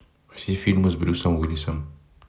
все фильмы с брюсом уиллисом